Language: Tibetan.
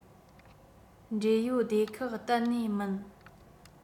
འབྲེལ ཡོད སྡེ ཁག གཏན ནས མིན